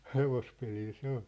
hevospelillä se oli